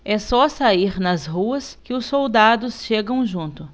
é só sair nas ruas que os soldados chegam junto